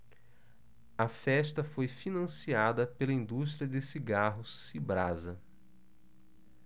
a festa foi financiada pela indústria de cigarros cibrasa